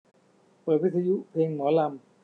เปิดวิทยุเพลงหมอลำ